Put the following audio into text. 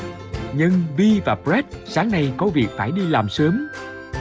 nhưng bi và bờ rét sáng nay có việc phải đi làm sớm